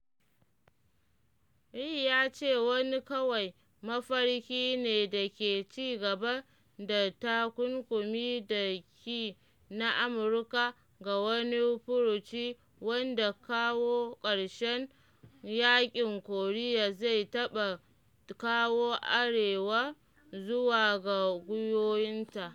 Ri ya ce wani kawai “mafarki ne” da ke ci gaba da takunkumi da ki na Amurka ga wani furuci wanda kawo ƙarshen Yaƙin Koriya zai taɓa kawo Arewar zuwa ga gwiwowinta.